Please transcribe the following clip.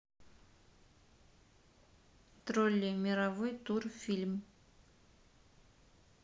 тролли мировой тур фильм